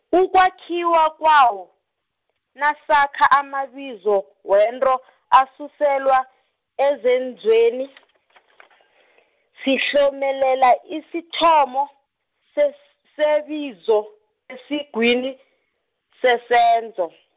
ukwakhiwa kwawo, nasakha amabizo wento asuselwa ezenzweni , sihlomelela isithomo ses- sebizo esiqwini sesenzo.